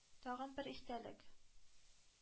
Тагын бер истәлек.